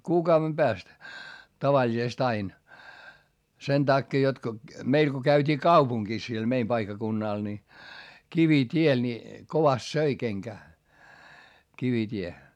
kuukauden päästä tavallisesti aina sen takia jotta kun meillä kun käytiin kaupungissa siellä meidän paikkakunnalla niin kivitie niin kovasti söi kenkää kivitie